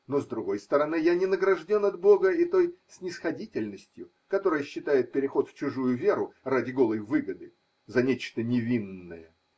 Но. с другой стороны, я не награжден от Б-га и той снисходительностью, которая считает переход в чужую веру ради голой выгоды за нечто невинное.